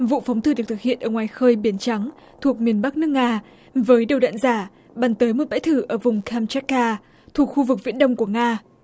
vụ phóng thử được thực hiện ở ngoài khơi biển trắng thuộc miền bắc nước nga với đầu đạn giả bắn tới một bãi thử ở vùng cam chắc ca thuộc khu vực viễn đông của nga